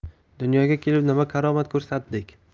dunyoga kelib nima karomat ko'rsatdik